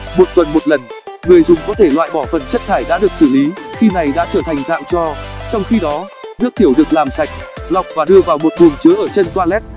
một tuần một lần người dùng có thể loại bỏ phần chất thải đã được xử lý trong khi đó nước tiểu được làm sạch lọc và đưa vào một buồng chứa ở chân toilet